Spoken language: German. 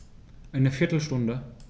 Eine viertel Stunde